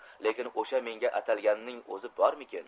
lekin o'sha menga atalganning o'zi bormikin